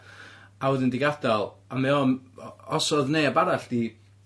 A wedyn 'di gadal a mae o'n... O- os o'dd neb arall 'di